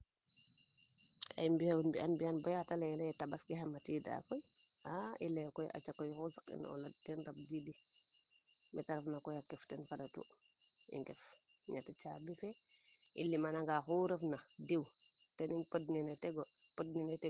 ka i ɓiyogu mbian mbian ɓian bolata leyna yee tabaski xoy matiidaa koy aaaa li leyee koy aca koy xu sak i na ten o lad koy rabdidi meta ref na koy a kef ten fadatu i gef ñet cabi fee i lima naŋa xuu refna diw teniŋ pod nene tego pod nene tegu